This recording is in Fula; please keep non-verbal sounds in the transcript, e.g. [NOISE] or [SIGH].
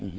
[HESITATION] [HESITATION]